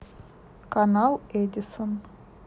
канал эдисон